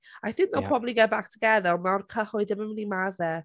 I think they'll probably get back together, ond mae'r cyhoedd ddim yn mynd i maddau...